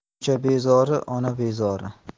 ko'cha bezori ona bezori